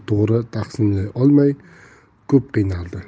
to'g'ri taqsimlay olmay ko'p qiynaldi